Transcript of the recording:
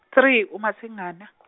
three uMasingana.